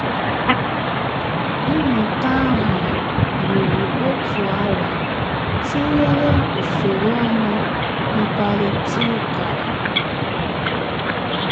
Mmụta ahụ ruru otu awa tinyere usoro ọrụ mkparịta ụka.